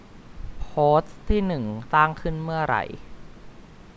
โพสต์ที่หนึ่งสร้างขึ้นเมื่อไร